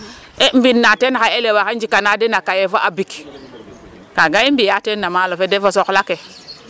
EE mbind na ten xa elew axe njikan den a cahiers fo a bic kaaga i mbi'aa teen no maalo fe de fo soxla ke.